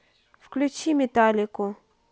включи металлику